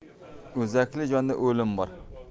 o'zakli jonda o'lim bor